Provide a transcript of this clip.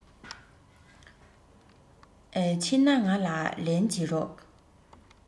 ཕྱིན ན ང ལ ལན བྱེད རོགས